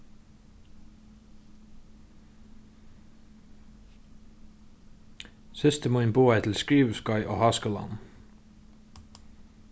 systir mín boðaði til skriviskeið á háskúlanum